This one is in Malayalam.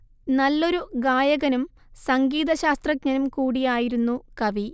നല്ലൊരു ഗായകനും സംഗീതശാസ്ത്രജ്ഞനും കൂടിയായിരുന്നു കവി